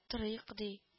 Торыйк ди